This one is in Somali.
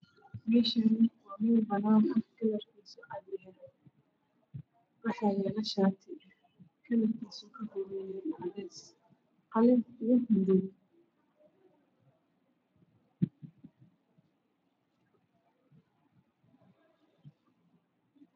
Meshani waa mel banan ah kalarkis cadan yahay waxayalo shati kalarkiis kakobanyahay cades qalin io madow